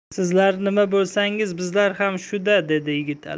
sizlar nima bo'lsangiz bizlar ham shu da dedi yigitali